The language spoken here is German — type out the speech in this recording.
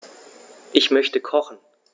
Ich möchte kochen.